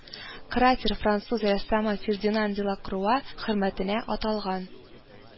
Кратер француз рәссамы Фердинан Делакруа хөрмәтенә аталган